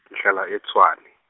ngihlala eTshwane.